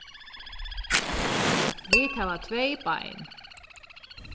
vit hava tvey bein